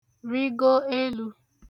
rịgo elū